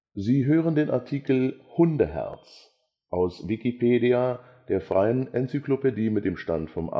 Sie hören den Artikel Hundeherz, aus Wikipedia, der freien Enzyklopädie. Mit dem Stand vom